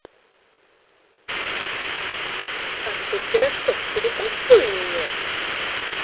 артур пирожков перетанцуй меня